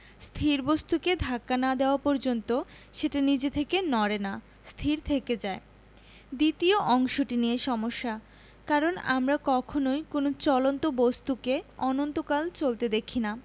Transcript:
স্থির বস্তুকে ধাক্কা না দেওয়া পর্যন্ত সেটা নিজে থেকে নড়ে না স্থির থেকে যায় দ্বিতীয় অংশটি নিয়ে সমস্যা কারণ আমরা কখনোই কোনো চলন্ত বস্তুকে অনন্তকাল চলতে দেখি না